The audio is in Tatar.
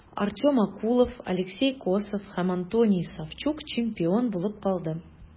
Артем Окулов, Алексей Косов һәм Антоний Савчук чемпион булып калды.